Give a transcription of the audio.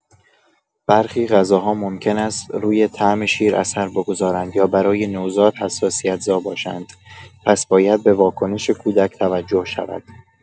برخی غذاها ممکن است روی طعم شیر اثر بگذارند یا برای نوزاد حساسیت‌زا باشند، پس باید به واکنش کودک توجه شود.